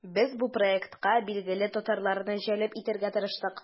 Без бу проектка билгеле татарларны җәлеп итәргә тырыштык.